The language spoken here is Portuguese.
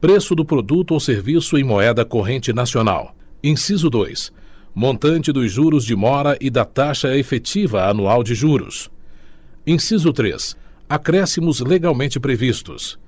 preço do produto ou serviço em moeda corrente nacional inciso dois montante dos juros de mora e da taxa efetiva anual de juros inciso três acréscimos legalmente previstos